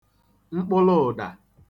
mkpụlụụ̀dà